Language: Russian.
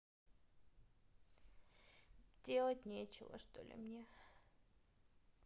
делать нечего что ли мне